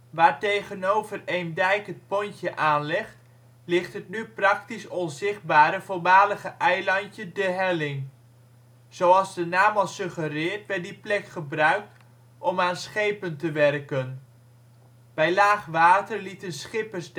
Waar tegenover Eemdijk het pontje aanlegt, ligt het nu praktisch onzichtbare voormalige eilandje ' De Helling '. Zoals de naam al suggereert werd die plek gebruikt om aan schepen te werken. Bij laagwater lieten schippers